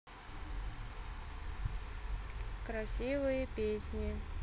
красивые песни